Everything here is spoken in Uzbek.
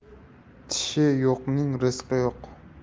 tishi yo'qning rizqi yo'q